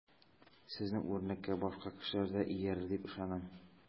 Сезнең үрнәккә башка кешеләр дә иярер дип ышанам.